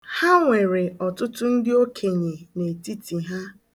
Ha nwere ọtụtụ ndị okenye n'etiti ha.